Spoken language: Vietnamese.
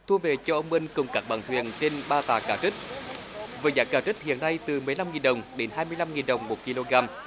thu về cho ông minh cùng các bạn thuyền trên ba tạ cá trích với giá cá trích hiện nay từ mấy năm nghìn đồng đến hai mươi lăm nghìn đồng một ki lô gam